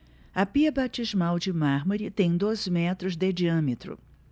a pia batismal de mármore tem dois metros de diâmetro